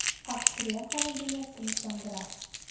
Австрияк аны димәк, тынычландыра.